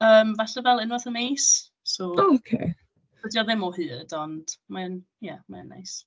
Yym, falle fel unwaith y mis, so... O ocê. ...Dydy o ddim o hyd, ond mae o'n, ie, mae o'n neis.